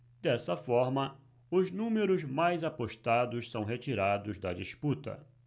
dessa forma os números mais apostados são retirados da disputa